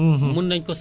ma sécuriser ko